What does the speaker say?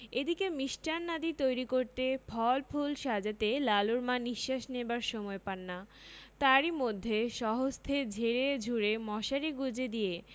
এদিকে মিষ্টান্নাদি তৈরি করতে ফল ফুল সাজাতে লালুর মা নিঃশ্বাস নেবার সময় পান না তারই মধ্যে স্বহস্তে ঝেড়েঝুড়ে মশারি গুঁজে দিয়ে